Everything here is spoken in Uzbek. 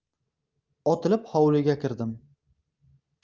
otilib hovliga kirdim